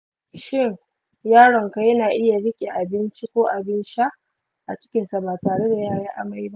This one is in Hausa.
shin yaronka yana iya riƙe abinci ko abin sha a cikinsa ba tare da ya yi amai ba?